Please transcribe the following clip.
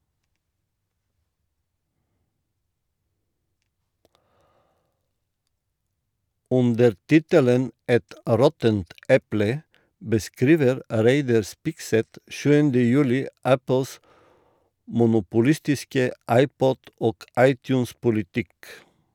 Under tittelen «Et råttent eple» beskriver Reidar Spigseth 7. juli Apples monopolistiske iPod- og iTunes-politikk.